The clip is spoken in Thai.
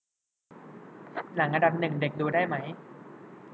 หนังอันดับหนึ่งเด็กดูได้ไหม